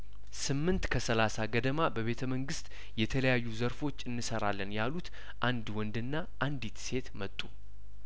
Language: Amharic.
ስምንት ከሰላሳ ገደማ በቤተ መንግስት የተለያዩ ዘርፎች እንሰራለን ያሉት አንድ ወንድና አንዲት ሴት መጡ